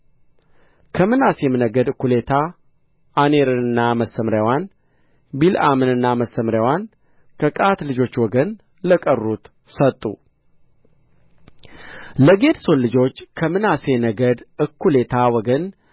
ከምናሴም ነገድ እኵሌታ ዓኔርንና መሰምርያዋን ቢልዓምንና መሰምርያዋን ከቀዓት ልጆች ወገን ለቀሩት ሰጡ ለጌድሶን ልጆች ከምናሴ ነገድ እኵሌታ ወገን